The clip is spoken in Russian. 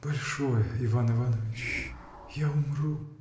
— Большое, Иван Иванович, я умру!